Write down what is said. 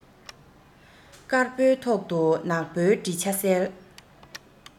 དཀར པོའི ཐོག ཏུ ནག པོའི བྲིས ཆ གསལ